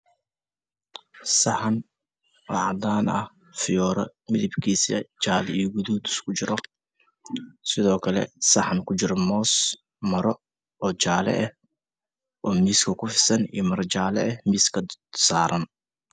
Meeshaan waxaa ka muuqdo saxan cadaan ah iyo fiyoore iyo saxan uu ku jiro muus